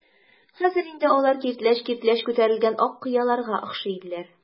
Хәзер инде алар киртләч-киртләч күтәрелгән ак кыяларга охшый иделәр.